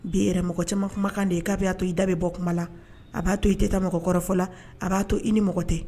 Bii yɛrɛ mɔgɔ camanma kumakan de ye'a b' to i da bɛ bɔ kuma la a b'a to i tɛ taa mɔgɔ kɔrɔfɔfɔ la a b'a to i ni mɔgɔ tɛ